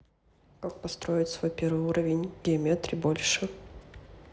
как построить свой первый уровень в geometry больше